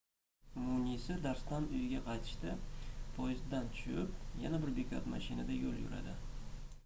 munisa darsdan uyiga qaytishda poyezddan tushib yana bir bekat mashinada yo'l yuradi